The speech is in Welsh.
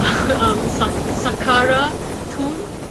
A- am Sac- Sacara Tomb